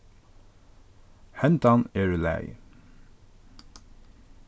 hendan er í lagi